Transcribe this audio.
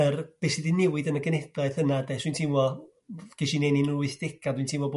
yr beth sy' 'di newid yn y genhedlaeth yna 'de dwi'n teimlo w- ges i'n eni yn yr wythdega' dwi'n teimlo